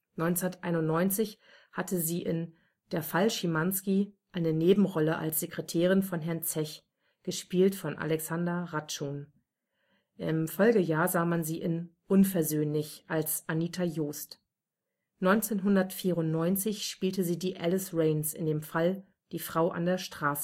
1991 hatte sie in Der Fall Schimanski eine Nebenrolle als Sekretärin von Herrn Zech (Alexander Radszun). Im Folgejahr sah man sie in Unversöhnlich als Anita Joest. 1994 spielte sie die Alice Rains in dem Fall Die Frau an der Straße